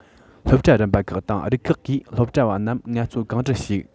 སློབ གྲྭ རིམ པ ཁག དང རིགས ཁག གིས སློབ གྲྭ བ རྣམས ངལ རྩོལ གང འདྲར ཞུགས